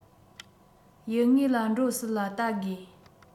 ཡུལ དངོས ལ འགྲོ སྲིད ལ བལྟ དགོས